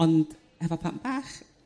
Ond hefo plant bach